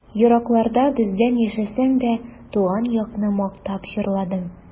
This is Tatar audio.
Еракларда бездән яшәсәң дә, Туган якны мактап җырладың.